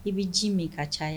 I bɛ ji min i ka caya ye